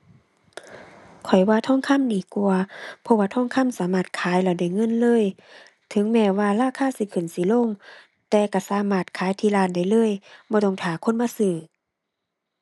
ข้อยว่าทองคำดีกว่า เพราะว่าทองคำสามารถขายแล้วได้เงินเลย ถึงแม้ว่าราคาสิขึ้นสิลง แต่ก็สามารถขายที่ร้านได้เลย บ่ต้องท่าคนมาซื้อ